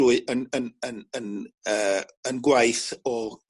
trwy 'yn 'yn 'yn 'yn yy 'yn gwaith o